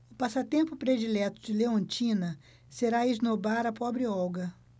o passatempo predileto de leontina será esnobar a pobre olga